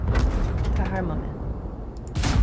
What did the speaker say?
tað harmar meg